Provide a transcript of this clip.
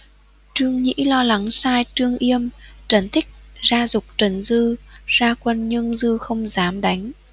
trương nhĩ lo lắng sai trương yêm trần thích ra giục trần dư ra quân nhưng dư không dám đánh